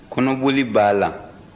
kɔnɔboli b'a la